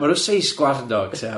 Ma' nw'n seis sgwarnogs ia.